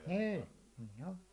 niin niin on